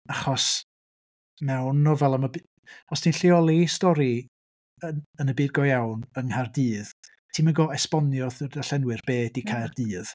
Achos mewn nofel am y by... Os ti'n lleoli stori yn yn y byd go iawn yng Nghaerdydd ti'm yn gorfod esbonio wrth y darllenwyr be ydy Caerdydd.